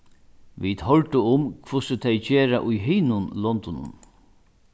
vit hoyrdu um hvussu tey gera í hinum londunum